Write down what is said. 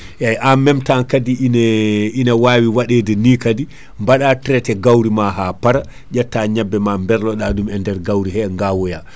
eyyi en méme temps kaadi ine ine wawi waɗede ni kaadi baɗa traité gawri ma ha para ƴetta ñebbe maberlo ɗaɗum e nder gawri he gawoya